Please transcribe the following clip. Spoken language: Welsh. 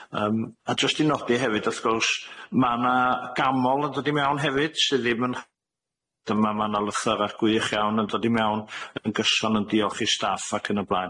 Yym a jyst i nodi hefyd wrth gwrs ma' 'na gamol yn dod i mewn hefyd sydd ddim yn Dyma ma na lythyrach gwych iawn yn dod i mewn yn gyson yn diolch i staff ac yn y blaen.